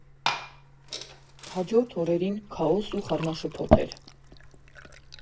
Հաջորդ օրերին քաոս ու խառնաշփոթ էր։